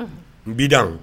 N bida